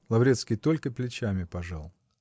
Лаврецкий только плечами пожал.